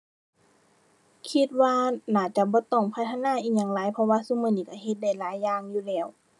คิดว่าน่าจะบ่ต้องพัฒนาอิหยังหลาย เพราะว่าซุมื้อนี้ก็เฮ็ดได้หลายอย่างอยู่แล้ว